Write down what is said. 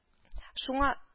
Шуңа